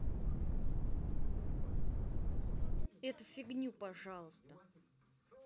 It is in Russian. эту фигню пожалуйста